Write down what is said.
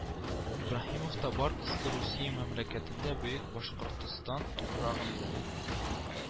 Ибраһимовта да бар Иске Русия мәмләкәтендә, бөек Башкортстан туфрагында